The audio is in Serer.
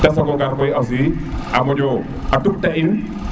te sogo gar aussi a moƴo gar a tuɗ ta in